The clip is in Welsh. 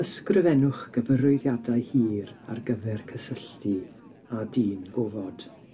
Ysgrifennwch gyfarwyddiadau hir ar gyfer cysylltu a dyn gofod.